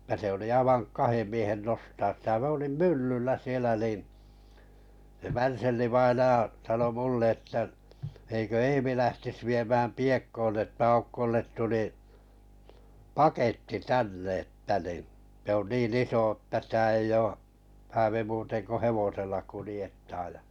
että se oli aivan kahden miehen nostaa sitä minä olin myllyllä siellä niin se Värselli-vainaja sanoi minulle että eikö Eemi lähtisi viemään Piekkoon että Aukolle tuli paketti tänne että niin se niin iso että sitä ei ole häävi muuten kuin hevosella kuljettaa ja